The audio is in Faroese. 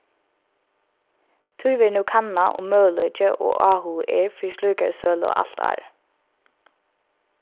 tí verður nú kannað um møguleiki og áhugi er fyri slíkari sølu alt árið